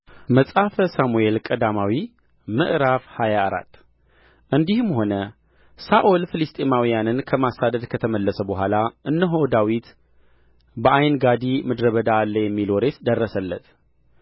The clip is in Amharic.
መጽሐፈ ሳሙኤል ቀዳማዊ ምዕራፍ ሃያ አራት እንዲህም ሆነ ሳኦል ፍልስጥኤማውያንን ከማሳደድ ከተመለሰ በኋላ እነሆ ዳዊት በዓይንጋዲ ምድረ በዳ አለ የሚል ወሬ ደረሰለት